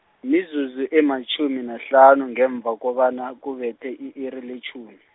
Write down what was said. mizuzu ematjhumi nahlanu, ngemva kobana, kubethe i-iri letjhumi.